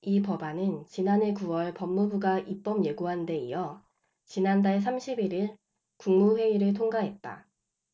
이 법안은 지난해 구 월 법무부가 입법예고한데 이어 지난달 삼십 일 일 국무회의를 통과했다